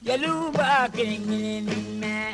Jeliw b'a kɛɲɛn mɛn